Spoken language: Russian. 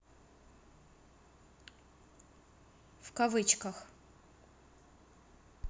в кавычках